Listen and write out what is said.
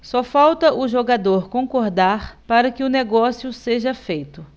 só falta o jogador concordar para que o negócio seja feito